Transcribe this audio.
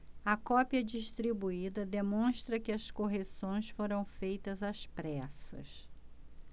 a cópia distribuída demonstra que as correções foram feitas às pressas